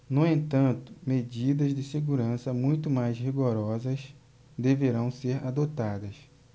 no entanto medidas de segurança muito mais rigorosas deverão ser adotadas